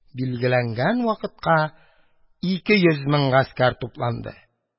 Билгеләнгән вакытка ике йөз мең гаскәр тупланды